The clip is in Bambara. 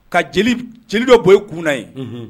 Ka jeli dɔ bɔ ye kunna ye